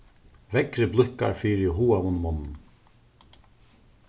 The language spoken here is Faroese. veðrið blíðkar fyri hugaðum monnum